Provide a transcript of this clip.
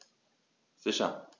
Sicher.